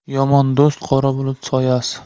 yomon do'st qora bulut soyasi